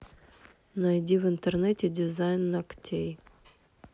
найди в интернете дизайн ногтей